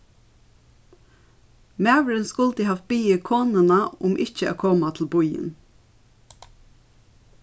maðurin skuldi havt biðið konuna um ikki at koma til býin